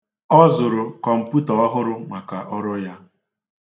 Ọ zụrụ kọmputa ọhụrụ maka ọrụ ya.